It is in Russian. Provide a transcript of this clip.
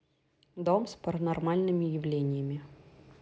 дом с паранормальными явлениями